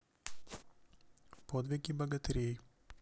подвиги богатырей